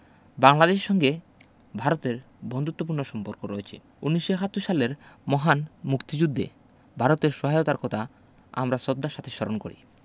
বাংলাদেশের সঙ্গে ভারতের বন্ধুত্তপূর্ণ সম্পর্ক রয়ছে ১৯৭১ সালের মহান মুক্তিযুদ্ধে ভারতের সহায়তার কথা আমরা শদ্ধার সাথে স্মরণ করি